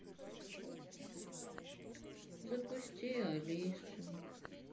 запусти алису